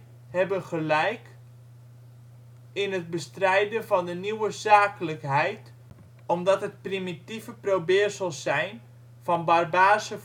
gelijk in het bestrijden van de Nieuwe Zakelijkheid omdat het primitieve probeersels zijn van Barbaarse